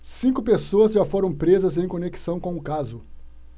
cinco pessoas já foram presas em conexão com o caso